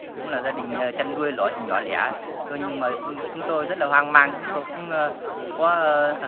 cũng là gia đình chăn nuôi nhỏ lẻ thôi nhưng mà chúng tôi rất là hoang mang chúng tôi cũng ơ